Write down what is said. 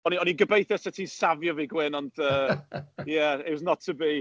O'n i o'n i'n gobeithio 'set ti'n safio fi Gwyn, ond yy, ie, it was not to be.